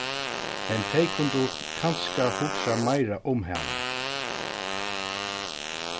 men tey kundu kanska hugsað meira um hana